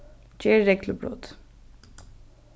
ger reglubrot